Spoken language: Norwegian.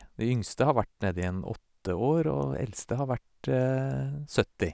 De yngste har vært nede i en åtte år og eldste har vært sytti.